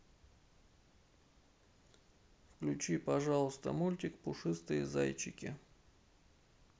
включи пожалуйста мультик пушистые зайчики